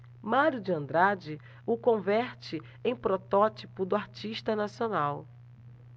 mário de andrade o converte em protótipo do artista nacional